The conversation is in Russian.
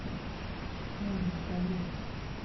том разговор